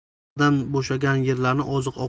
paxtadan bo'shagan yerlarni oziq